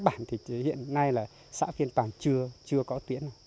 bản thì thỉ hiện nay là xã phiêng pằn chưa chưa có tuyến